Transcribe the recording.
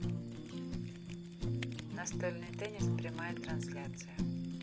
настольный теннис прямая трансляция